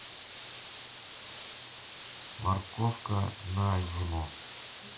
морковка на зиму